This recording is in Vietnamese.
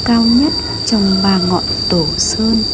cao nhất trong ngọn tổ sơn